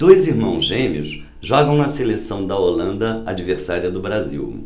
dois irmãos gêmeos jogam na seleção da holanda adversária do brasil